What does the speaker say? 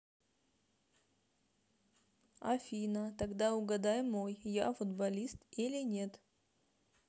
афина тогда угадай мой я футболист или нет